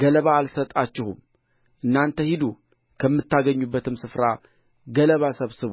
ገለባ አልሰጣችሁም እናንተ ሂዱ ከምታገኙበትም ስፍራ ገለባ ሰብስቡ